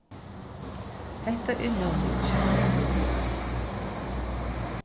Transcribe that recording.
hetta er nóg mikið